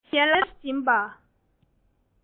མི གཞན ལ འོད ཟེར སྦྱིན པ